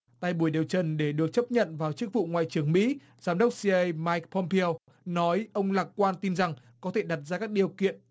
tại buổi điều trần để được chấp nhận vào chức vụ ngoại trưởng mỹ giám đốc xi ai ây mai pôm peo nói ông lạc quan tin rằng có thể đặt ra các điều kiện